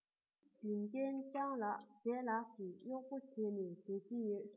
རྒྱུན ལྡན སྤྱང ལགས ལྗད ལགས ཀྱི གཡོག པོ བྱས ནས སྡོད ཀྱི ཡོད